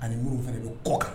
Ani minnu fana bɛ kɔkan